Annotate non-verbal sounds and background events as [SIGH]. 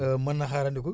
[HESITATION] mën na xaarandiku